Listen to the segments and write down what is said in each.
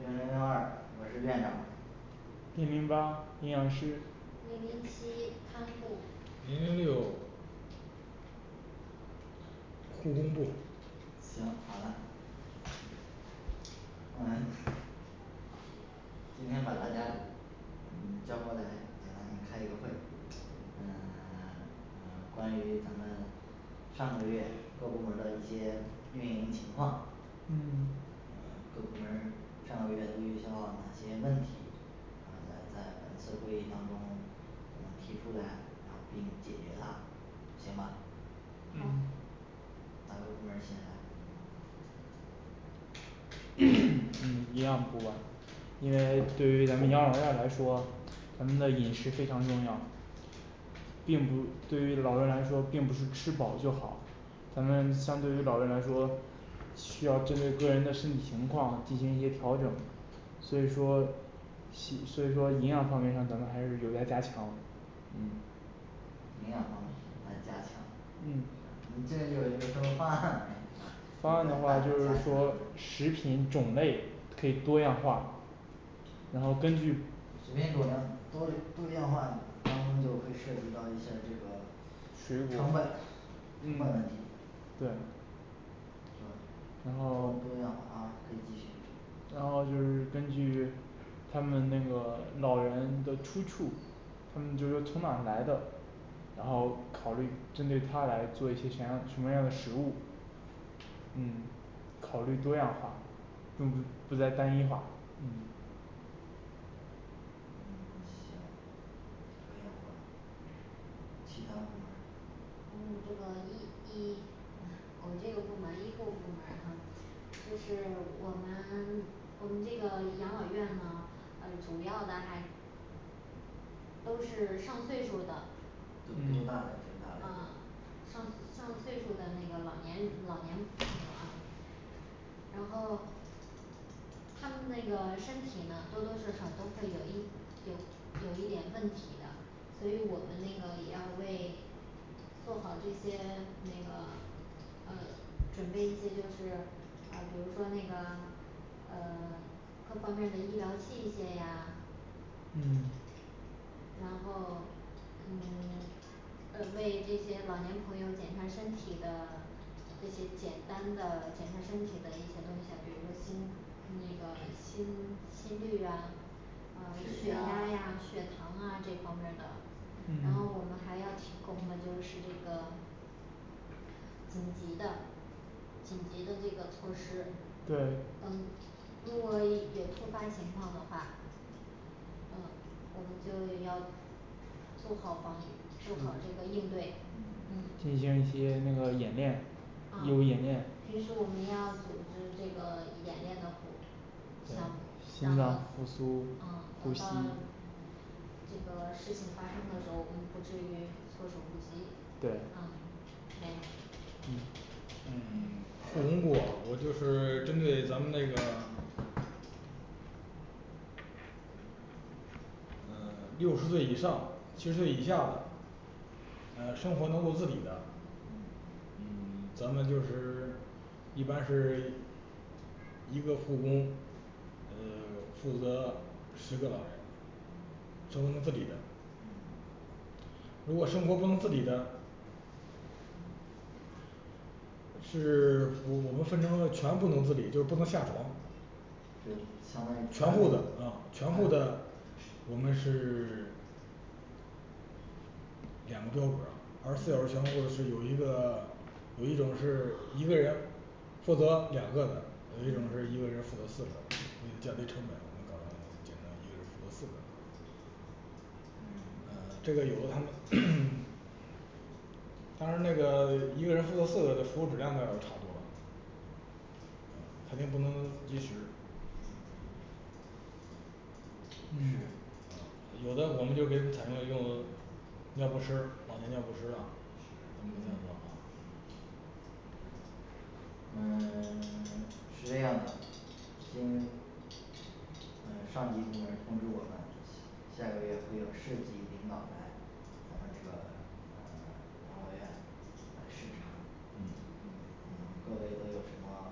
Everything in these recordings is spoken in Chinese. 零零二我是店长零零八营养师零零七看护零零六护工部行好的嗯今天把大家嗯叫过来简单开一个会嗯 嗯关于咱们上个月各部门儿的一些运营情况嗯嗯各部门儿上个月的都遇到了哪些问题嗯咱在本次会议当中咱们提出来，然后并解决它。行吧好嗯哪个部门儿先来嗯营养部吧因为对于咱们养老院来说，咱们的饮食非常重要，并不对于老人来说并不是吃饱就好咱们相对于老人来说，需要针对个人的身体情况进行一些调整。所以说系所以说营养方面上咱们还是有待加强嗯营养方面有待加强 嗯你这有有什么 方案方案没的是吧话就有再是待加强说食品种类可以多样化然后根据食品种样多多样化当中就会涉及到一些这食个成谱本成本问嗯题对是吧然后多样化啊可以继续然后就是根据他们那个老人的出处，他们就是说从哪儿来的然后考虑针对他来做一些什样什么样的食物嗯考虑多样化用不不再单一化嗯嗯行多样化其他部门儿嗯这个医医 我这个部门医护部门儿哈就是我们我们这个养老院呢呃主要的还都是上岁数儿的都多大嘞嗯最大嘞都嗯上上岁数的那个老年老年朋友啊然后他们那个身体呢多多少少都会有一有有一点问题的，所以那个我们也要为做好这些那个呃准备一些就是呃比如说那个呃 各方面儿的医疗器械呀嗯然后嗯 嗯为这些老年朋友检查身体的这些简单的检查身体的一些东西，比如心那个心心率啊嗯血血压压呀、血糖啊这方面儿的然后嗯我们还要提供的就是这个紧急的紧急的这个措施对嗯如果一 有突发情况的话嗯我们就要做好防预做好嗯这个应对嗯嗯进行一些那个演练有嗯演练平时我们要组织这个演练的对项目心然脏后复苏嗯呼，等到吸这个事情发生的时候，我们不至于措手不及对嗯没了嗯嗯 护工部我就是针对咱们那个呃六十岁以上七十岁以下的呃生活能够自理的嗯嗯 咱们就是 一般是 一个护工呃 负责十个老人生活能自理的嗯如果生活不能自理的是 我我们分成了全不能自理就是不能下床就是相当于全部的瘫嗯全部瘫的我们是 两个标准儿啊，二十四小时全护是有一个有一种是一个人负责两个的，有一种是一个人负责四个的，为了降低成本，我们告诉你简单一个是负责四个嗯呃这个有了他们 但是那个一个人负责四个的服务质量就要差多了肯定不能及时是嗯有的我们就可以采用用尿不湿，老年尿不湿了是嗯嗯 是这样的今呃上级部门儿通知我们下个月会有市级领导来，咱们这个呃养老院来视察嗯嗯嗯各位都有什么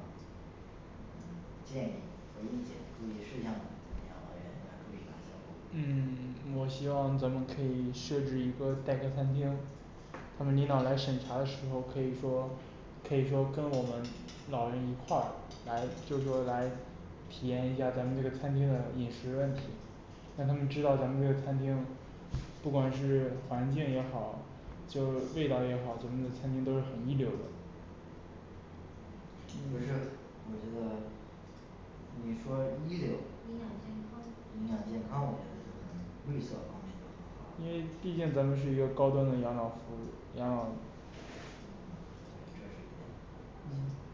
嗯建议和意见注意事项呢咱们养老院应该注意哪些嗯 我希望咱们可以设置一个待客餐厅，他们领导来审查的时候，可以说可以说跟我们老人一块儿来就是说来体验一下咱们这个餐厅的饮食问题。让他们知道咱们这个餐厅不管是环境也好，就是味道也好，咱们的餐厅都是很一流的不是我觉嗯得你说一流营养健康营养健康我觉得就很绿色方因面为就很好了毕竟咱们是一个高端的养老服务养老嗯对这是一点儿行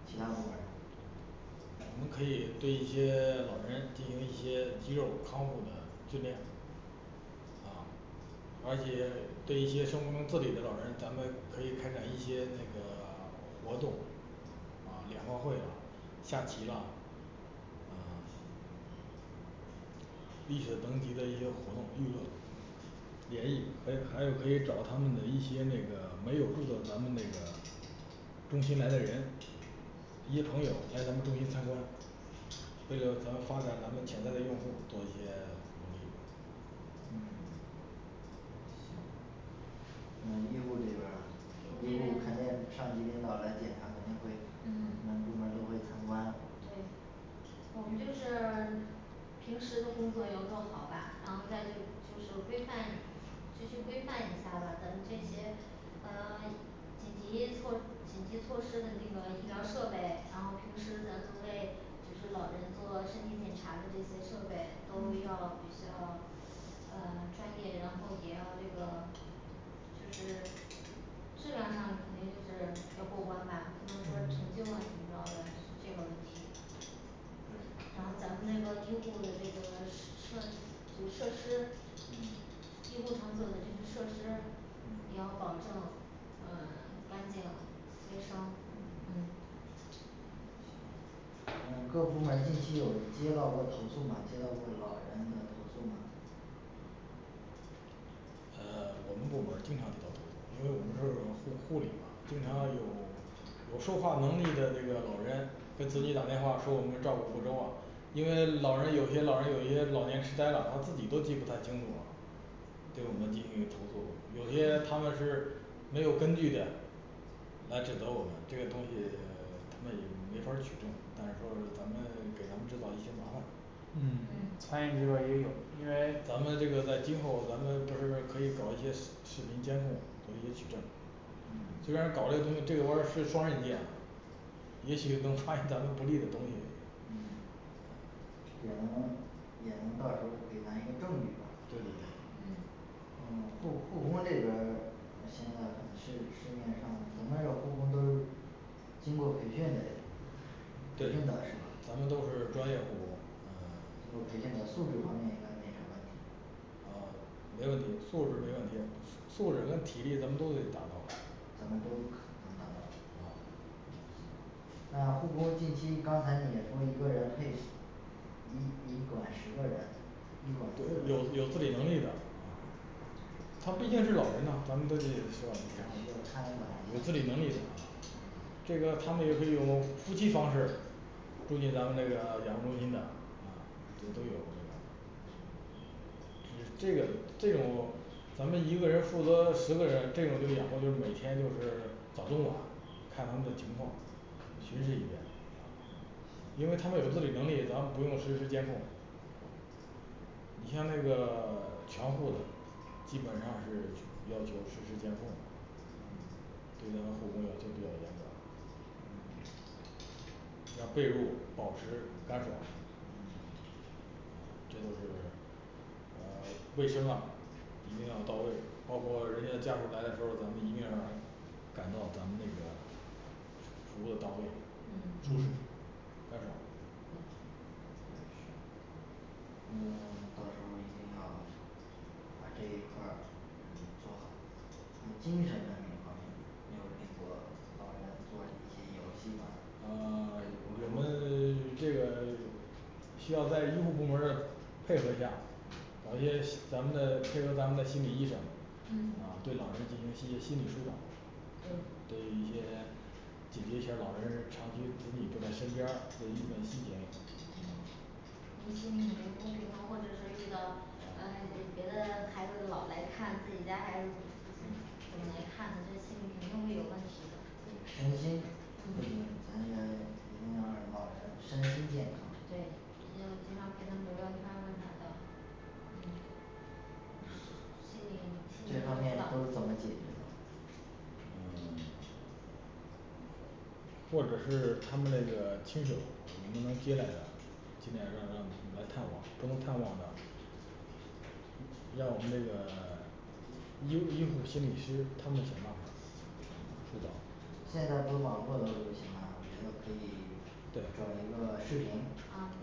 嗯其他部门儿我们可以对一些老人进行一些肌肉康复的训练而且对一些生活能自理的老人，咱们可以开展一些那个 活动。嗯联欢会啦，下棋啦力所能及的一些活动联谊还有还有可以找他们的一些那个没有住到咱们那个中心来的人，一些朋友来咱们中心参观为了咱发展咱们潜在的用户做一些努力嗯行嗯医护这边儿医护医这边护肯定上级领导来检查，肯定会嗯每个部门儿都会参观对我们就是 平时的工作要做好吧，然后再就就是规范，就去规范一下吧咱们这些嗯 紧急措紧急措施的那个医疗设备，然后平时咱们为就是老人做身体检查的这些设备都嗯要比较呃专业然后也要这个就是质量上肯定是要过关吧，不能说陈嗯旧啊怎么着是这个问题对然后咱们那个医护的那个设就是设施嗯，医护场所的这个设施，也嗯要保证呃干净卫生嗯嗯呃各部门儿近期有接到过投诉吗接到过老人的投诉吗呃我们部门儿经常遇到投诉因为我们是护护理嘛，经常有嗯有说话能力的这个老人跟子女打电话说我们照顾不周啊，因为老人有些老人有一些老年痴呆了，他自己都记不太清楚了对我们进去投诉，有些他们是没有根据的来指责我们这个东西， 他们也没法儿取证，但是说是咱们给咱们制造一些麻烦嗯嗯餐饮这边儿也有，因为咱咱们们这个在今后咱们不是可以搞一些视 视频监控作为一个举证，虽然搞这个东西这个玩意儿是双刃剑也许能发现 咱们不利的东西嗯也能也能到时候儿给咱一个证据吧对对对对嗯护护工这边儿。现在很市市面上咱们这儿护工都经过培训的得培训的是吧咱们都是专业护工，嗯通过培训的素质方面应该没什么问题嗯没问题素质没问题素质跟体力咱们都得达到咱们都可能达到啊嗯行那护工近期刚才你也说一个人配十 一一管十个人一管四有个人有自理能力的他毕竟是老人呐咱们都得对需是要吧看管一有下自理能力的嗯这个他们也是有夫妻方式住进咱们这个养护中心的，这都有这嗯个嗯这个这种咱们一个人负责十个人这种就是养护就是每天就是早中晚看他们的情况巡视一遍嗯因为他们有自理能力，咱们不用实时监控你像那个 全护的基本上是要求实时监控对咱护工要求比较严格要被褥保持干爽嗯这都是呃卫生啊一定要到位，包括人家家属来的时候，咱们一定要让感到咱们那个服务的到位嗯干爽嗯到时候儿一定要把这一块儿嗯做好那精神文明方面呢有领过老人做一些游戏吗呃 我们 这个需要在医护部门儿的配合下，找一些西 咱们的配合咱们的心理医生，啊嗯对老人进行一些心理疏导，呃对对一些解决一下老人长期子女不在身边儿的一个心结啊因为心里可能不平衡，或者说遇到呃别的孩子老来看自己家孩子不怎么不怎么来看的心里肯定会有问题的对身心不仅嗯咱也一定要让老人身心健对康经常陪他们聊聊天儿干啥的嗯心里这心方面里都怎么解决的呃 或者是他们那个亲属我们能接来的，尽量让他们来探望不能探望的要我们这个 医医护心理师他们想办法疏导现在不是网络都流行啦我觉得可以找对一个视频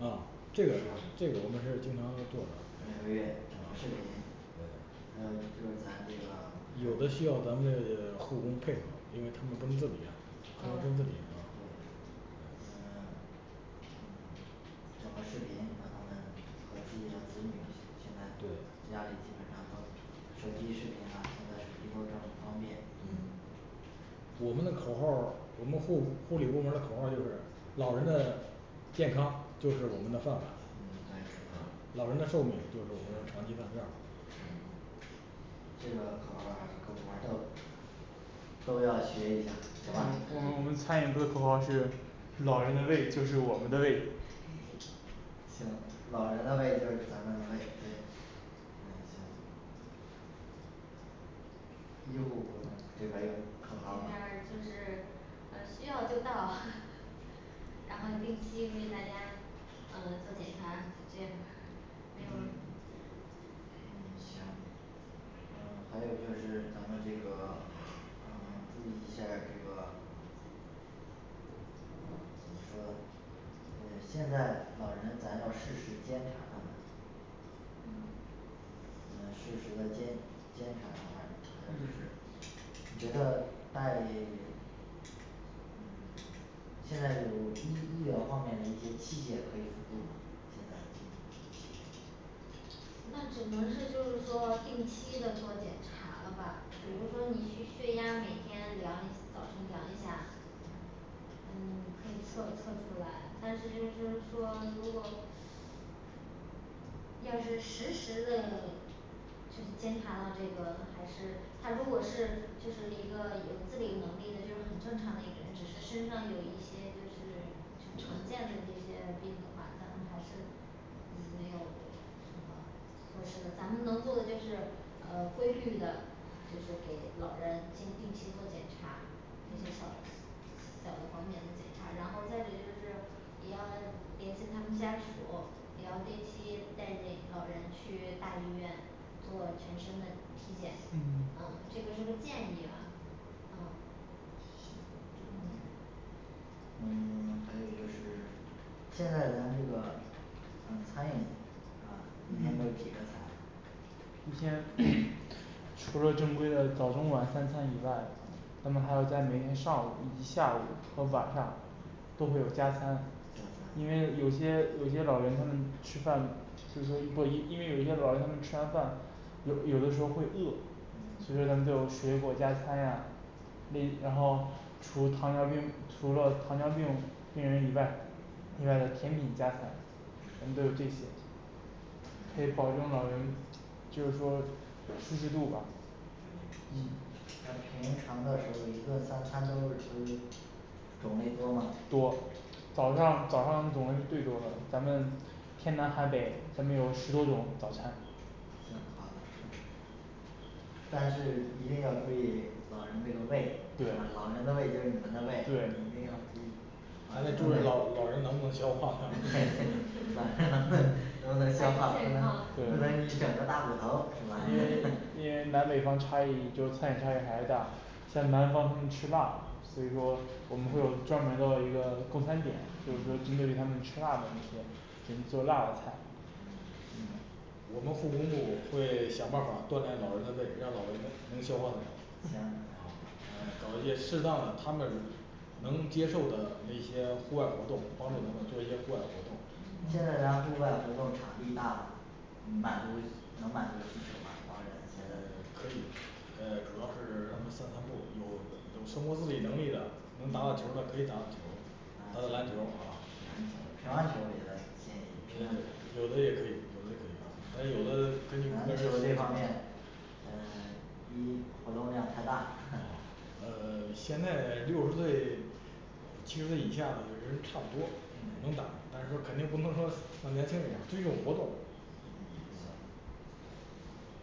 啊是这个吧这个我们是经常做的每个月啊整个视频对还有就是咱这个有的需要咱们这个护工配合因为他们不能自理啊啊对嗯整个视频让他们和自己的子女，现在对家里基本上都手机视频啊，现在手机都这么方便嗯我们的口号儿，我们护护理部门儿的口号儿就是老人的健康就是我们的饭碗嗯对是老人的寿命就是我们的长期饭票儿是这个口号儿各部门儿都都要学一下行我吧们？我们我们嗯餐饮部的口号是老人的胃就是我们的胃行， 老人的胃就是咱们的胃对嗯行医护部门这边儿有口号儿这边吗儿就是呃需要就到 然后定期为大家呃做检查这样没有了嗯嗯行嗯还有就是咱们这个嗯注意一下儿这个呃怎么说呢呃现在老人咱要实时监察他们嗯嗯实时的监监察他们还有就嗯是你觉得大于嗯现在有医医疗方面的一些器械可以辅助吗现在近那只能是就是说定期的做检查了吧，比如说你血血压每天量一早上量一下嗯 可以测测出来，但是就是说是说如果要是实时的 去监察到这个还是他如果是就是一个有自理能力的就是很正常的一个人只是身上有一些就是就常见的这些病的话，咱们还是嗯没有什么措施的咱们能做的就是呃规律的就是给老人经定期做检查这些小的小的方面的检查，然后再者就是也要联系他们家属，也要定期带那老人去大医院做全身的体检嗯嗯，这个是个建议吧啊行嗯嗯 还有就是现在咱这个呃餐饮是吧一天都是嗯几个餐啊一天除了正规的早中晚三餐以外咱们还要在每天上午以及下午和晚上都会有加餐，加餐因为有些有些老人他们吃饭就是说若一因为有一些老人他们吃完饭有有的时候会饿嗯所以说咱们就水果儿加餐呀立然后除糖尿病除了糖尿病病人以外另外的甜品加餐我们都有这些可以保证老人就是说舒适度吧行嗯那平常的时候儿一顿三餐都是都种类多吗多早上早上种类最多了咱们天南海北，咱们有十多种早餐行好的 但是一定要注意老人这个胃是吧对老人的胃就是你们的胃，你们对一定要注意而且注意老老人能不能消化 掉 对老人能不能能不能消健化不康能不对能你整个大骨头是吧因 为因为南北方差异就是餐饮差异还是大像南方他们吃辣所以说我们会有专门的一个供餐点就是说针对于他们吃辣的那些给你做辣的菜嗯行我们护工部会想办法锻炼老人的胃，让老人能能消化的行好搞一些适当的他们如能接受的那些户外活动，帮助他们做一些户外活动现在咱户外活动场地大吗满足能满足需求吗老人现在呃的可以呃主要是让他们散散步，有有生活自理能力的，能打打球儿的可以打球儿，打嗯打篮球儿啊篮球儿乒乓球儿我觉得建议乒呃乓球儿有的也可以有的可以但是有的篮球这方面呃 一活动量太大哦 呃现在六十岁七十岁以下的人差不多对能打对，但是说肯定不能说 年轻人追着活动嗯行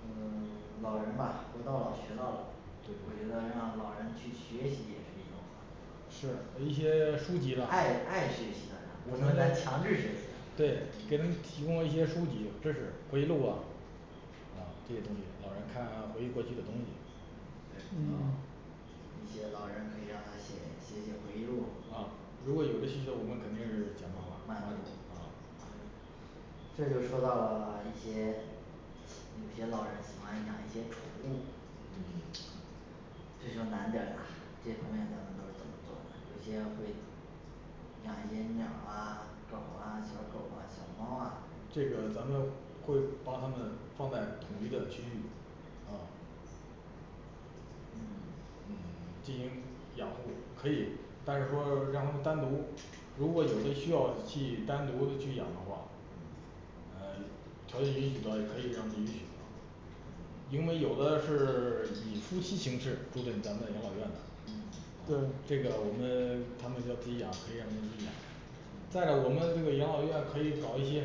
嗯 老人吧活到老学到老就我觉得让老人去学习也是一种好是一些书籍啊爱爱学习的人不能咱强制学习啊对给他们提供了一些书籍、知识、回忆录啊啊这些东西老人看 回忆过去的东西对嗯一些老人可以让他写写写回忆录啊如果有这需求我们肯定是想办满法足啊这就说到了一些有些老人喜欢养一些宠物嗯 这就难点儿了。这方面咱们都是怎么做的？ 有些会养一些鸟儿啊狗啊、小狗啊、小猫啊这个咱们会帮他们放在统一的区域啊嗯嗯 进行养护可以，但是说让他们单独，如果有的需要去单独的去养的话，呃条件允许的也可以让他们允许的因为有的是 以夫妻形式住进咱们的养老院嗯的，这个我们他们就要自己养可以让他们自己养。在嗯了我们这个养老院可以搞一些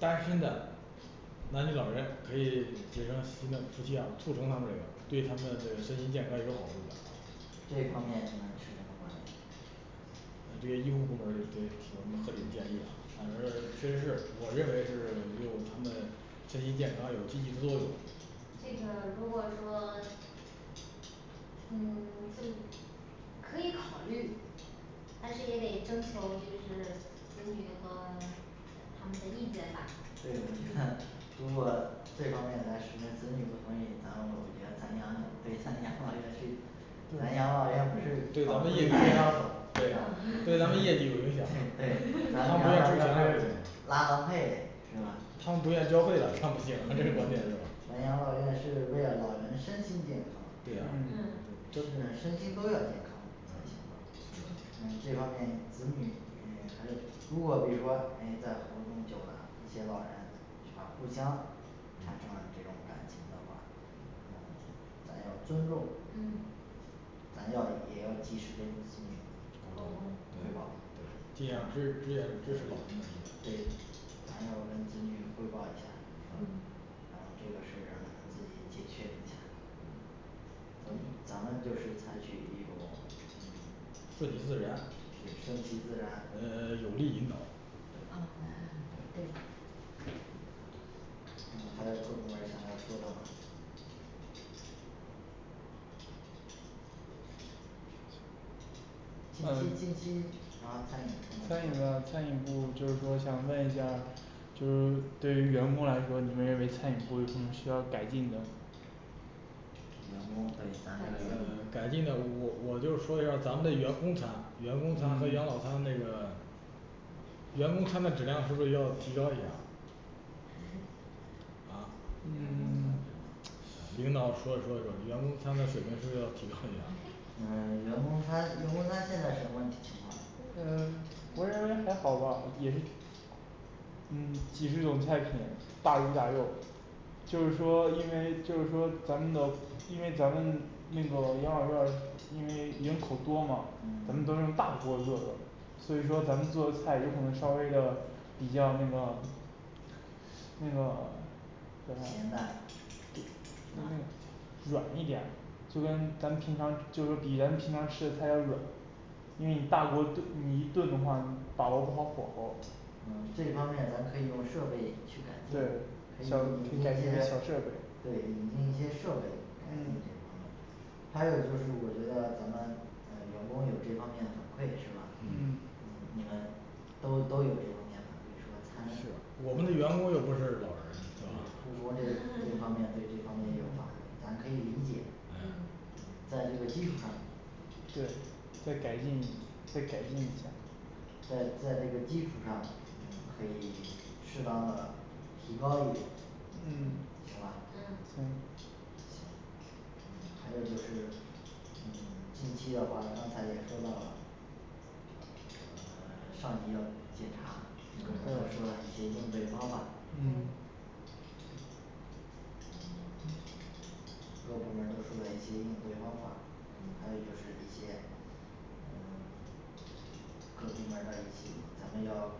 单身的男女老人可以结成新的夫妻啊，促成他们这个对他们的身心健康也有好处的这方面你们持什么观点呃这些医护部门儿里的有什么合理建议啊，反正确实是我认为是有他们身心健康有积极的作用这个如果说 嗯 这个可以考虑但是也得征求就是子女和他们的意见吧对我觉得 如果这方面咱是子女不同意，咱们我觉得咱养对咱养老院是 咱对养老院不是对搞咱婚姻业介绩绍所嗯对对咱咱养老院业不绩是有影响拉良配嘞是吧他们不愿意交费了那不行，这是关键是吧咱养老院是为了老人身心健康对的嗯是呃身心都要健康嗯这方面子女嗯还有如果比如说哎在活动久了一些老人是吧，互相产生了这种感情的话呃咱要尊重嗯咱要也要及时跟子女沟通对汇对报尽量支支援支援老人对还要跟子女汇报一下是吧嗯，然后这个事让他们自己解决一下咱们咱们就是采取一种顺其自然对顺其自然呃有力引导啊对还对嗯还有各部门儿想要说的吗近期呃近期然后餐饮餐餐饮饮说的餐饮部就是说想问一下，就是对于员工来说，你们认为餐饮部有什么需要改进的员工会改咱呃进这个改进的我我就说一下儿咱们这员工餐啊员工餐和养老嗯餐这个员工餐的质量是不是要提高一下啊员工嗯餐 领导说说说员工餐的水平是不是要提高一下 嗯员工餐员工餐现在什么情况呃我认为还好吧，也是嗯几十种菜品，大鱼大肉就是说因为就是说咱们的因为咱们那个养老院儿因为人口多嘛，咱们都是嗯用大锅做的所以说咱们做的菜有可能稍微的比较那个那个咸淡是吧软一点就跟咱平常就是说比人平常吃的菜要软因为你大锅炖你一炖的话，你把握不好火候嗯这方面咱可以用设备去改进对可以小引进改进一一下些小设备对引进一些设备改进这嗯方面还有就是我觉得咱们呃员工有这方面反馈是吧嗯嗯你们都都有这方面的反馈是说啊餐我们的员工又不是老人是吧护工这这方面对这方面有反馈咱可以理解嗯嗯在这个基础上再再这个基础上对再改进再改进一下在在这个基础上嗯可以适当的提高一点嗯行吧嗯行嗯还有就是嗯近期的话刚才也说到了啊 上级要检查各部门嗯儿都说对了一些应对方法嗯对各部门儿都说了一些应对方法还有嗯就是一些嗯各个部门儿的一些，咱们要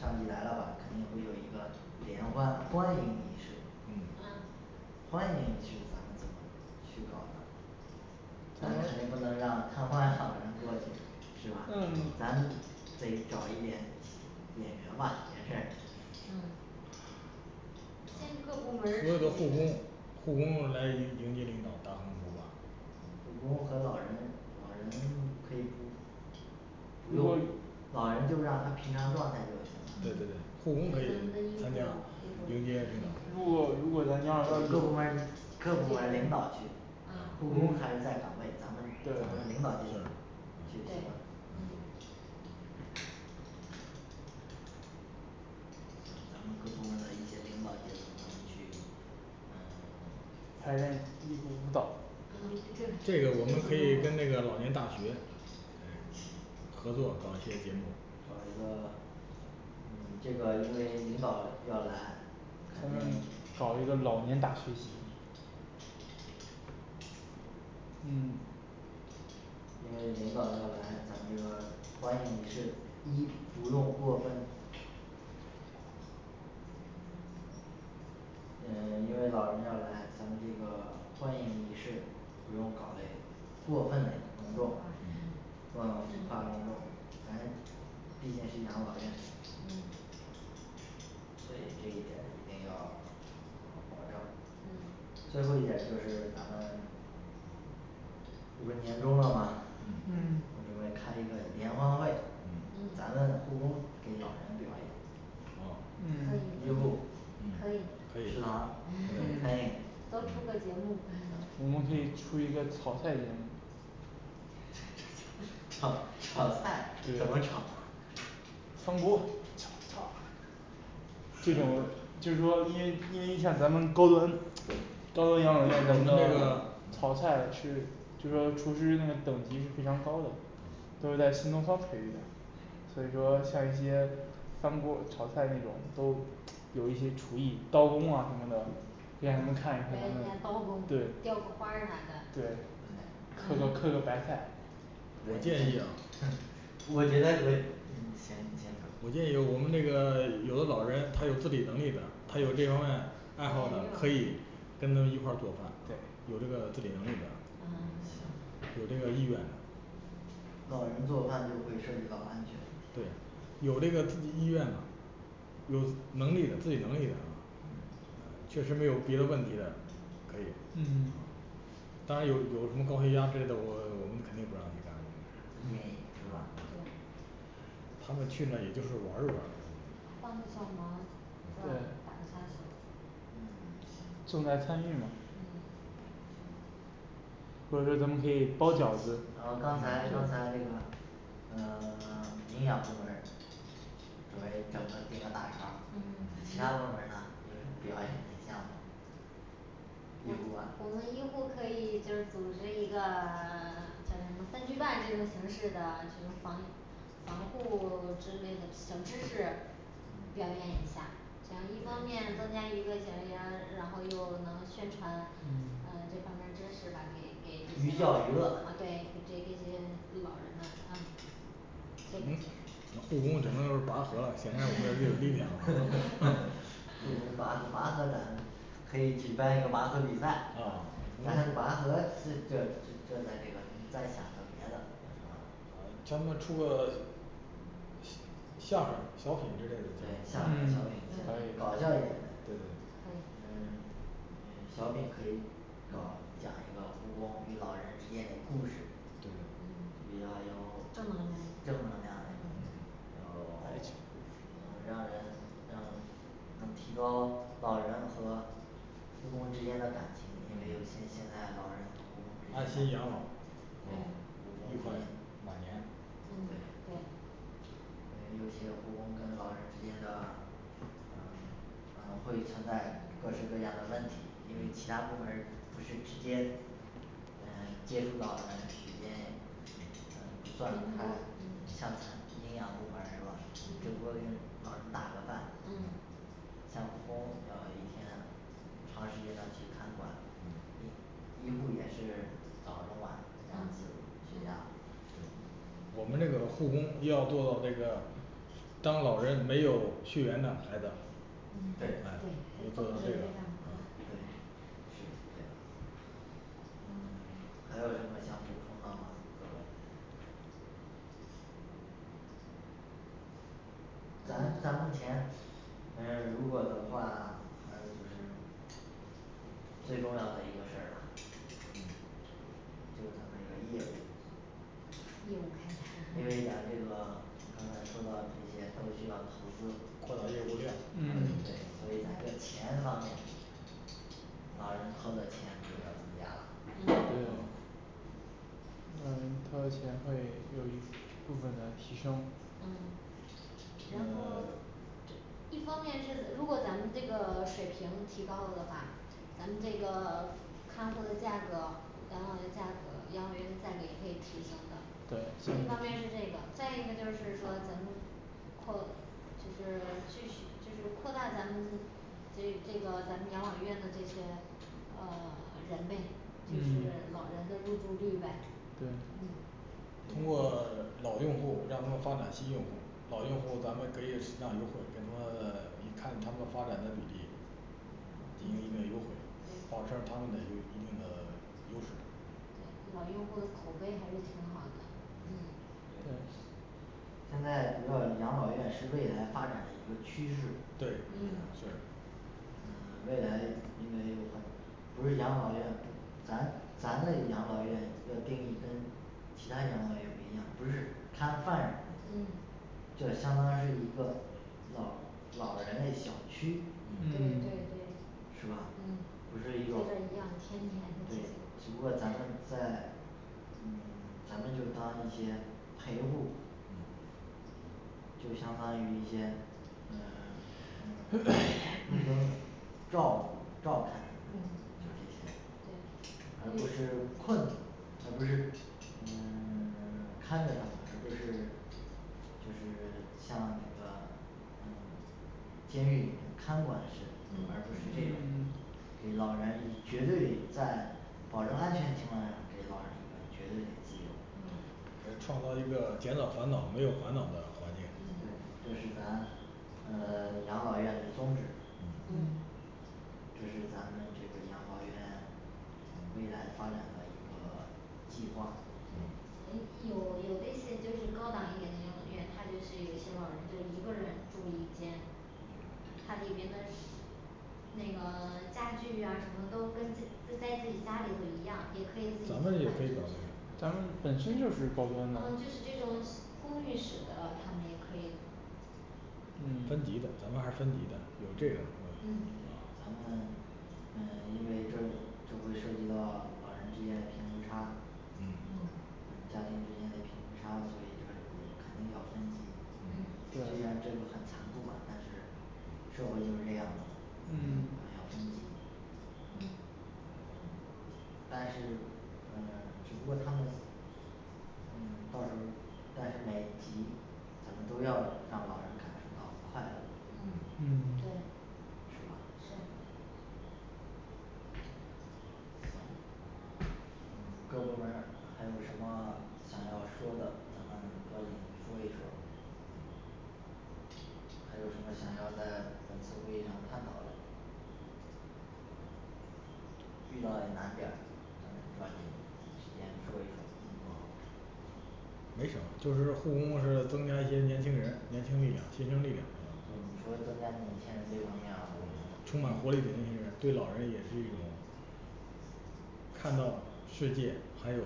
上级来了吧，肯定会有一个联欢欢迎仪式嗯嗯欢迎仪式咱们怎么去搞呢咱肯嗯定不能让瘫痪老人过去 是吧嗯？咱们得找一点演员吧也是嗯先各所有的个护部门儿工，护工来迎迎接领导打横幅吧护工和老人老人可以不不不用用老人就让他平常状态就行了对对对护就咱们的医护医工可以参加护迎人接领员导如果如果咱养老就院是儿各部更门各部门儿领导去嗯嗯护工还是在岗位咱们咱们对领导阶层去行吗对行咱们各部门儿的一些领导阶层咱们去嗯还是联一领导嗯这这个我们可以跟那个老年大学嗯合作搞一些节目搞一个嗯这个因为领导要来他肯们定搞一个老年大学习嗯因为领导要来，咱们这边儿欢迎仪式第一不用过分嗯因为老人要来，咱们这个欢迎仪式，不用搞嘞过分嘞隆浮重夸浮夸隆重咱毕竟是养老院嗯所以这一点儿一定要保证嗯最后一点就是咱们这不年终了吗，嗯嗯我准备开一个联欢会，咱嗯们护工给老人表演哦嗯医护可以可以可以食堂餐饮都出个节目我们可以出一个炒菜节目炒炒菜怎么炒对 翻锅这种就是说因为因为像咱们高端高端养老院，我们那个炒菜是就是说厨师那个等级是非常高的都是在新东方培育的所以说像一些干锅炒菜那种都有一些厨艺刀工啊什么的可以让他们表看一看咱演一下的刀工对雕个花儿啥的对对刻个刻个白菜我建议啊我觉得我 行你先我你先说建议我们那个 有的老人他有自理能力的，他有这方面爱好的可以跟他们一块儿做饭对有这个自理能力的嗯有这个意愿的老人做饭就会涉及到安全问题对。啦有这个自意愿吗有能力的自理能力的啊呃嗯确实没有别的问题的。可以嗯当然有有什么高血压之类的，我我们肯定不让他干的不建议是吧对他们去那也就是玩儿一玩儿帮个小忙对吧对打个下手重在参与嘛嗯或者说咱们可以包饺子然后刚才嗯刚对才那个呃 营养部门儿准备整个顶个大勺儿，嗯其他部门儿呢有什么表演嘞项目我们我们医医护啊护可以就是组织一个 叫什么三句半这种形式的这种防防护 之类的小知识表演一下想一方面增加一个奖励，然然后又能宣传嗯呃这方面知识吧给给这寓些教于乐对给这些老人们嗯这种的我们护工整个都是拔河了，显得我们只有力量 护工拔河拔河咱可以举办一个拔河比赛啊咱还拔河这这这咱这个再想一个别的叫他们出个相声小品之类的对相声小嗯品之类嗯的搞笑点的对对可对以嗯小品可以搞讲一个护工与老人之间嘞故事对嗯比较有正能量正能量嘞有 让人让能提高老人和护工之间的感情因为有些现在老人跟护工安心之间感养老对医护工患之间老年对对因为有些护工跟老人之间的呃呃会存在各式各样的问题因为其他部门儿不是直接嗯接触到的时间也嗯不算太嗯你像餐营养部门儿是吧只嗯不过跟老人打个饭嗯像护工要一天啊长时间的去看管嗯你医护也是早中晚量次血压是我们那个护工要做到那个当老人没有血缘的孩子这一对嗯块对对是这样嗯还有什么想补充的吗各位咱咱目前嗯如果的话还有就是最重要的一个事儿啊就是咱们这个业务业因务开为咱展 这个刚才说到这些都需要投资扩大业务量嗯所以咱这个钱方面老人掏的钱就要增加了对嗯他的钱会有一部分的提升嗯然后嗯一方面是如果咱们这个水平提高了的话，咱们这个看护的价格养老的价格养老院的价格也可以提升的对一方面是这个再一个就是说咱们扩就是继续就是扩大咱们对这个咱们养老院的这些呃人呗就是嗯老人的入住率呗对嗯通对过老用户让他们发展新用户老用户，咱们可以适当优惠给他们， 得看他们发展的比例一嗯定的优惠对保持他们的有一定的优势老用户的口碑还是挺好的嗯对现在主要养老院是未来发展嘞一个趋势对嗯是嗯 未来因为有很不是养老院咱咱嘞养老院要定义跟其他养老院不一样，不是看犯人嗯这相当是一个老老人嘞小区对嗯对对是吧嗯不是一种对只不过咱们在嗯 咱们就当一些陪护嗯就相当于一些嗯 路灯照顾照看嗯他们就是嗯这些对而不是困，而不是嗯 看着他们而不是就是像那个嗯监狱里看管式不而不是嗯这种嗯给老人绝对里在保证安全情况下，给老人一个绝对嘞自由嗯这是创造一个减少烦恼，没有烦恼的环境。对这是咱呃 养老院嘞宗旨嗯嗯这是咱们这个养老院行未来发展的一个计划嗯诶有有这些就是高档一点的养老院他就是有一些老人就一个人住一间它里面的那个 家具啊什么都跟自己在自己家里的一样咱们也可以搞这个咱们本身就是高啊端的就是这种公寓式的他们也可以分嗯级的咱们还是分级的有这样是嗯咱吧们嗯咱们因为这这会涉及到老人之间的贫富差，嗯嗯嗯家庭之间的贫富差，所以 肯定要分级，嗯虽然对这个很残酷吧，但是社会就是这样的，咱嗯嗯要分级嗯但是嗯只不过他们嗯到时候儿但是每级咱们都要让老人感受到快乐嗯嗯对是吧是各部门儿还有什么想要说的，咱们抓紧说一说。还有什么想要在本次会议上探讨嘞遇到难点儿，咱们抓紧时间说一说好没什么就是护工是增加一些年轻人年轻力量新生力量是吧嗯说增加年轻人这方面充啦我就满活力的年轻人对老人也是一种看到世界还有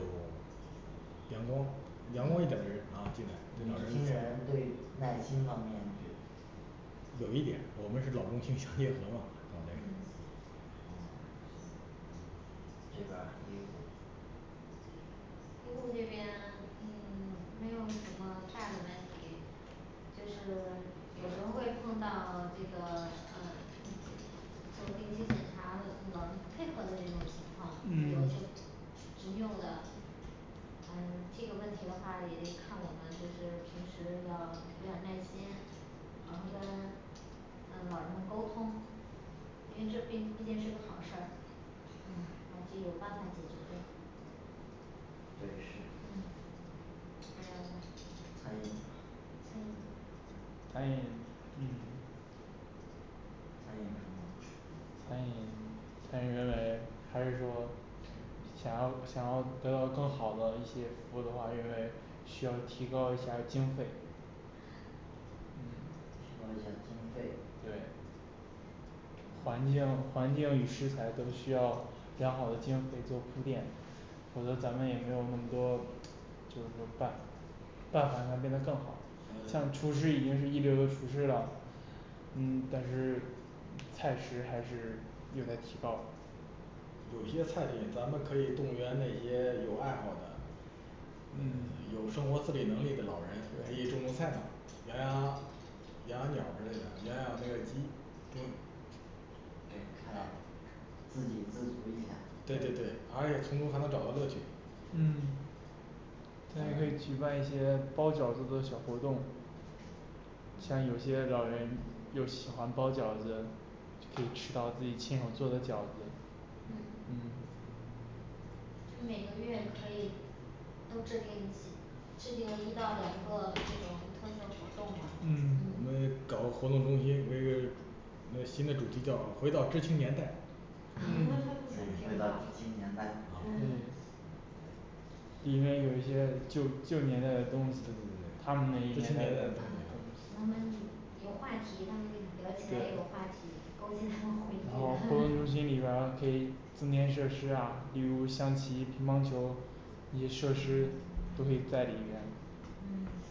阳光阳光一点儿的人啊进来年对老轻人人对耐心方面这有一点我们是老中青相结合嘛 搞的呀嗯这边儿医护医护这边嗯没有什么大的问题就是有时候会碰到这个呃做定期检查，老人不配合的这种情况有一些嗯执拗的呃这个问题的话也得看我们就是平时要有点儿耐心然后跟嗯老人沟通因为这毕毕竟是个好事儿嗯而且有办法解决的对是嗯没有了餐饮呢餐饮餐饮嗯餐饮有什么餐饮餐饮还是认为还是说想要想要得到更好的一些服务的话，因为需要提高一下经费。嗯提高一下经费对环境环境与食材都需要良好的经费做铺垫，否则咱们也没有那么多就是说办办法才能变得更好咱像们厨师已经是一流的厨师了，嗯但是菜食还是有待提高有些菜品咱们可以动员那些有爱好的呃嗯有生活自理能力的老人，可以种种菜嘛？养养养养鸟儿之类的养养那个鸡对对还有自己自足一下对对对，而且从中还能找到乐趣嗯那也可以举办一些包饺子的小活动像有些老人又喜欢包饺子就可以吃到自己亲手做的饺子嗯嗯就是每个月可以都制定一些制定一到两个这种特色活动嘛嗯我们搞个活动中心，呃那个新的主题叫回到知青年代 行回到知青年代啊嗯对里面有一些旧旧年代的东对西对对，他们的一个知青年代的东西他们有话题他们聊起来也有话题勾起他们回活忆的动中心里边儿可以增添设施啊，比如象棋、乒乓球，一些设施都可以在里边嗯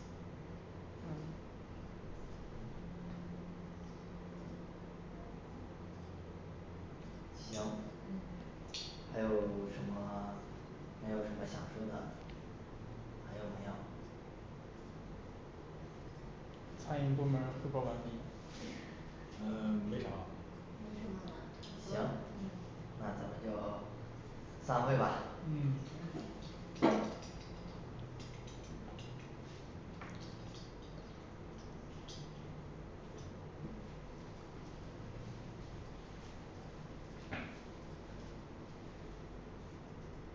行。嗯还有什么没有什么想说的还有没有餐饮部门儿汇报完毕嗯没啥没什么了行那咱们就散会吧嗯